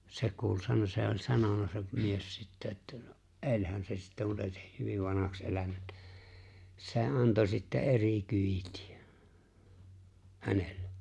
se kuuli - se oli sanonut se mies sitten että no eihän se sitten mutta ei se hyvin vanhaksi elänyt että se antoi sitten eri kyytiä hänelle